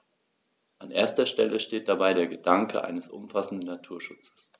An erster Stelle steht dabei der Gedanke eines umfassenden Naturschutzes.